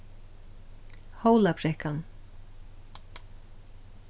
hólabrekkan